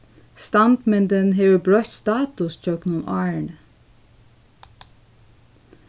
standmyndin hevur broytt status gjøgnum árini